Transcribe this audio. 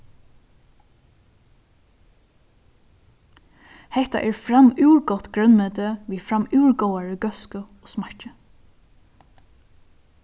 hetta er framúr gott grønmeti við framúr góðari góðsku og smakki